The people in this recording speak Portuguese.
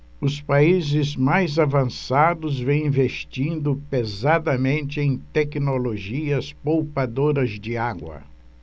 os países mais avançados vêm investindo pesadamente em tecnologias poupadoras de água